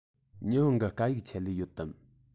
ཉི ཧོང གི སྐད ཡིག ཆེད ལས ཡོད དམ